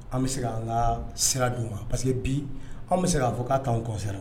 An bɛ sean ka sira dun ma parce que bi an bɛ se k'a fɔ k'a taaan kɔɛ